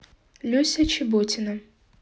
люся чебонита